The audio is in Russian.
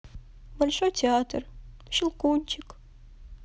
большой театр щелкунчик